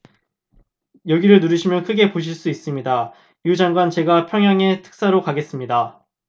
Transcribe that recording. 여기를 누르시면 크게 보실 수 있습니다 류 장관 제가 평양에 특사로 가겠습니다